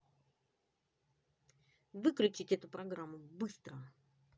выключить эту программу быстро